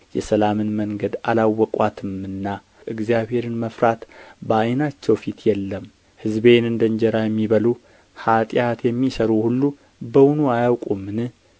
የሰላምን መንገድ አላወቁአትምና እግዚአብሔርን መፍራት በዓይናቸው ፊት የለም ሕዝቤን እንደ እንጀራ የሚበሉ ኃጢአት የሚሠሩ ሁሉ በውኑ አያውቁምን